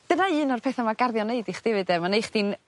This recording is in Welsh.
Dyna un o'r petha ma' garddio'n neud i chdi efyd 'de ma' neu' chdi'n